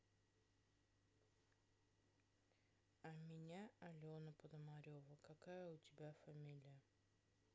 а меня алена понамарева какая у тебя фамилия